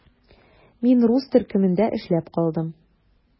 Мин рус төркемендә эшләп калдым.